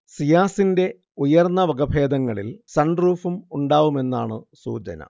സിയാസിന്റെ ഉയർന്ന വകഭേദങ്ങളിൽ സൺറൂഫും ഉണ്ടാവുമെന്നാണ് സൂചന